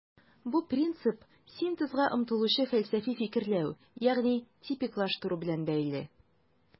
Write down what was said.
Бу принцип синтезга омтылучы фәлсәфи фикерләү, ягъни типиклаштыру белән бәйле.